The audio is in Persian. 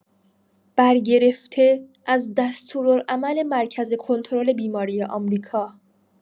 برگرفته از دستورالعمل مرکز کنترل بیماری آمریکا